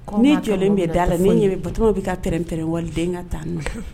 Ni jɔ bɛ da la ni ɲɛ batow bɛ ka prɛn-prɛnwaleden ka tan n